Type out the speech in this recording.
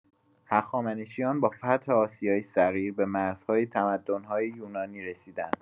هخامنشیان با فتح آسیای صغیر، به مرزهای تمدن‌های یونانی رسیدند.